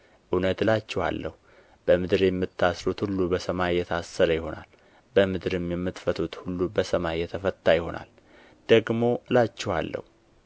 እውነት እላችኋለሁ በምድር የምታስሩት ሁሉ በሰማይ የታሰረ ይሆናል በምድርም የምትፈቱት ሁሉ በሰማይ የተፈታ ይሆናል ደግሞ እላችኋለሁ